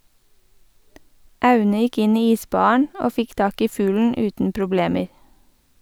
Aune gikk inn i isbaren og fikk tak i fuglen uten problemer.